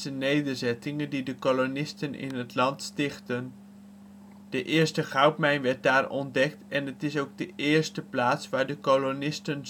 nederzettingen die de kolonisten in het land stichtten. De eerste goudmijn werd daar ontdekt en het is ook de eerste plaats waar de kolonisten